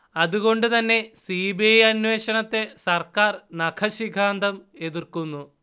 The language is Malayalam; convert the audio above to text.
അതുകൊണ്ടു തന്നെ സി. ബി. ഐ അന്വേഷണത്തെ സർക്കാർ നഖശിഖാന്തം എതിർക്കുന്നു